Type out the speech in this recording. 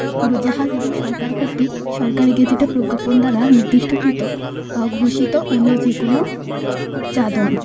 উড়োজাহাজ এবং সরকার কর্তৃক সরকারী গেজেটে প্রজ্ঞাপন দ্বারা নির্দিষ্টকৃত বা ঘোষিত অন্য যে কোন যাদন